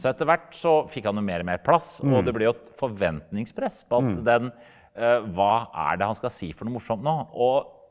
så etterhvert så fikk han jo mer og mer plass og det ble jo et forventningspress på at den hva er det han skal si for noe morsomt nå og.